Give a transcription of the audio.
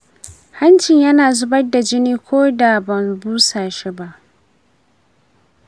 hancin yana zubar da jini ko da ban busa shi ba.